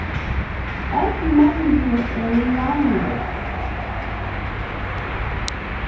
øll menniskju eru javnlík